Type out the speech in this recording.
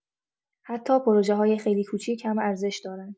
حتی پروژه‌های خیلی کوچیک هم ارزش دارن.